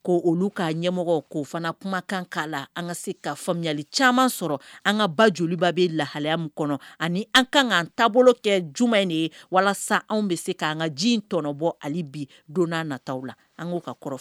Ko olu k'a ɲɛmɔgɔ koo fana kuma kan k'a la an ka se ka faamuyayali caman sɔrɔ an ka ba joliba bɛ lahalaya min kɔnɔ ani an ka'an taabolo kɛ juma in de ye walasa anw bɛ se k'an ka ji in tɔnɔbɔ ale bi donna nata la an k' ka kɔrɔfɔ